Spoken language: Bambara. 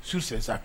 Sous ses actes